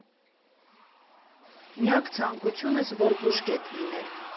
Միակ ցանկությունս՝ որ բուժկետ լիներ։